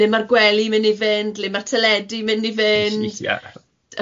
le ma'r gwely mynd i fynd, le ma'r teledu mynd i fynd... Ie ie ie...